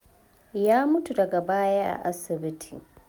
Ya mutu daga baya a asibiti.